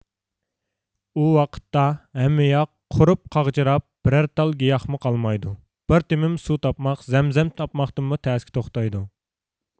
ئۇ ۋاقىتتا ھەممە ياق قۇرۇپ قاغجىراپ بىرەر تال گىياھمۇ قالمايدۇ بىر تېمىم سۇ تاپماق زەمزەم تاپماقتىنمۇ تەسكە توختايدۇ